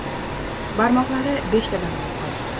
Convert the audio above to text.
barmoqlari beshtadan bo'lib qolibdi